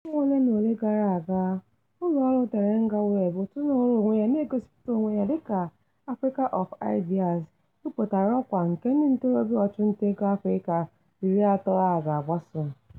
Ọnwa ole na ole gara aga, ụlọọrụ Terangaweb, òtù nọọrọ onwe ya na-egosịpụta onwe ya dịka "Africa of Ideas", bipụtara ọkwa nke ndị ntorobịa ọchụntaego Afrịka 30 a ga-agbaso.